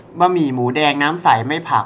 บะหมี่หมูแดงน้ำใสไม่ผัก